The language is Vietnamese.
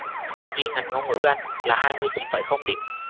riêng ngành ngôn ngữ anh là hai mươi chín phẩy không điểm